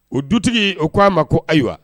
O dutigi o k ko aa ma ko ayiwa